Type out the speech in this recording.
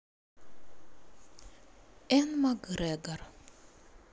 эн макгрегор